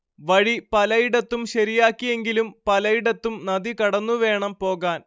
വഴി പലയിടത്തും ശരിയാക്കിയെങ്കിലും പലയിടത്തും നദി കടന്നുവേണം പോകാൻ